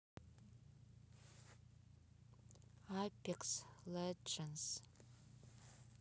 апекс ледженс